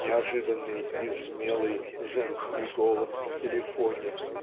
Неожиданный и смелый Женский голос в телефоне,